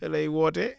lay wootee